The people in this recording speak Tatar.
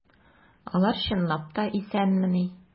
Алар чынлап та исәнмени?